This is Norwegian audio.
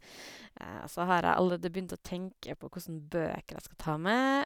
Og så har jeg allerede begynt å tenkte på kossen bøker jeg skal ta med.